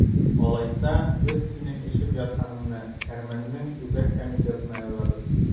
Алайса, без синең эчеп ятканыңны әрмәннең үзәк комитетына язабыз!